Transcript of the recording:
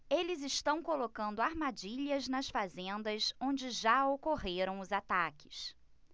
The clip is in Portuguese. eles estão colocando armadilhas nas fazendas onde já ocorreram os ataques